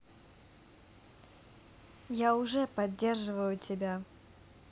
я уже поддерживаю тебя